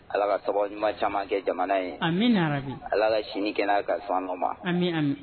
Ala ka sababu ɲuman caaman kɛ jamana ye. Amina ya Rabi! Ala ka si ni kɛnɛya kalifa an n'u ma. Ami ami